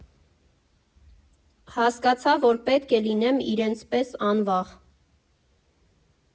Հասկացա, որ պետք է լինեմ իրենց պես անվախ։